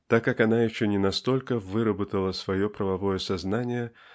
так как она еще не настолько выработала свое правовое сознание